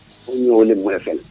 *